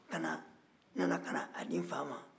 kana n nana ka n'a di nfa ma